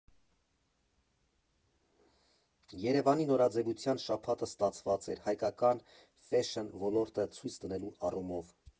Երևանի նորաձևության շաբաթը ստացված էր՝ հայկական ֆեշըն ոլորտը ցույց դնելու առումով։